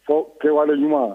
Fɔ kɛwaleɲuman